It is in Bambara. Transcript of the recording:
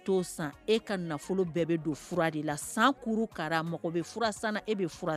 E ka nafolo bɛɛ don la san mɔgɔ bɛ bɛ